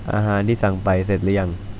อาหารที่สั่งไปเสร็จหรือยัง